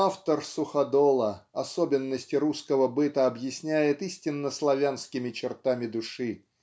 Автор "Суходола" особенности русского быта объясняет истинно славянскими чертами души